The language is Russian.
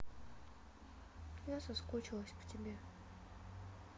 я соскучилась по тебе